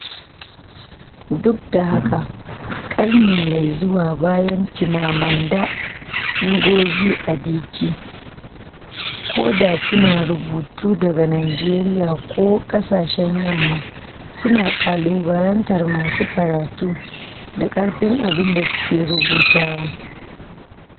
Duk da haka, ƙarni mai zuwa bayan Chimamanda Ngozi Adichie, ko da suna rubutu daga Najeriya ko a kasashen Yamma, suna kalubalantar masu karatu da ƙarfin abin da suke rubutawa.